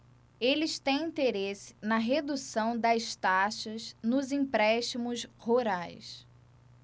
eles têm interesse na redução das taxas nos empréstimos rurais